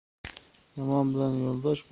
yomon bilan yo'ldosh